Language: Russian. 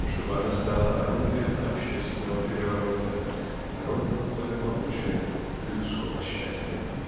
чтобы она стала орудием общественного переворота народного благополучия людского счастья.